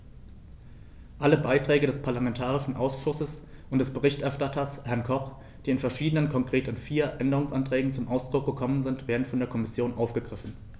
Alle Beiträge des parlamentarischen Ausschusses und des Berichterstatters, Herrn Koch, die in verschiedenen, konkret in vier, Änderungsanträgen zum Ausdruck kommen, werden von der Kommission aufgegriffen.